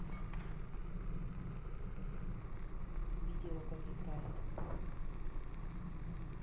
видео как играют